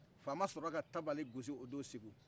faama sɔrɔla ka tabali gosi o don segu